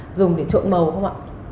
dùng để trộn màu không ạ